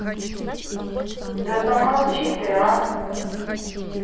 да замолчи ты а